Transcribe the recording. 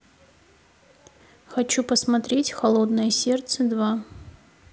хочу посмотреть холодное сердце два